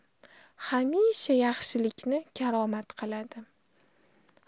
hamisha yaxshilikni karomat qiladi